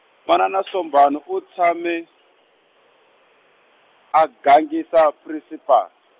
manana Sombana u tshame, a gangisa Principal.